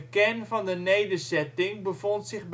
kern van de nederzetting bevond zich